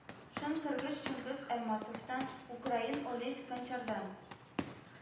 Шын кыргыз чыңгыз айтматовтан, украин олесь гончардан,